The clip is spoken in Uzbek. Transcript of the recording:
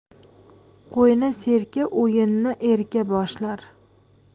qo'yni serka o'yinni erka boshlar